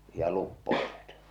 ja luppoilivat